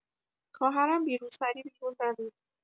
خواهرم بی روسری بیرون دوید